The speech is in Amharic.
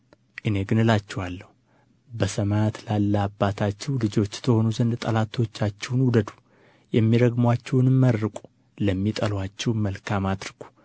እኔ ግን እላችኋለሁ በሰማያት ላለ አባታችሁ ልጆች ትሆኑ ዘንድ ጠላቶቻችሁን ውደዱ የሚረግሙአችሁንም መርቁ ለሚጠሉአችሁም መልካም አድርጉ